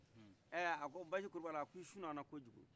ɛɛ a ko basi kulubali a ko i sinɔgɔ la kojugu